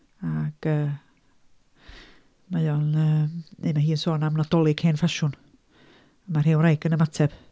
ac yy mae o'n yy neu mae hi'n sôn am Nadolig hen ffasiwn. Mae'r hen wraig yn ymateb.